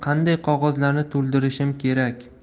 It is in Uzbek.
qanday qog'ozlarni to'ldirishim kerak